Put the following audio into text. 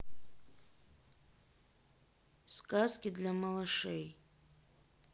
сказки для малышей